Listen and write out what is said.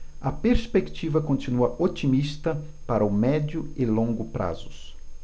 a perspectiva continua otimista para o médio e longo prazos